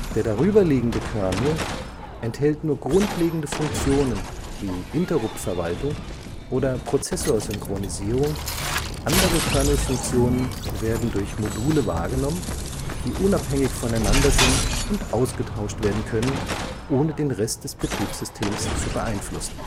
Der darüber liegende Kernel enthält nur grundlegende Funktionen wie Interruptverwaltung und Prozessorsynchronisierung, andere Kernelfunktionen werden durch Module wahrgenommen, die unabhängig voneinander sind und ausgetauscht werden können, ohne den Rest des Betriebssystems zu beeinflussen